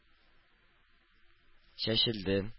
Чәчелде